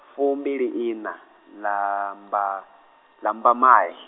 fumbiliiṋa lamba-, Lambamai.